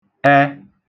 ẹ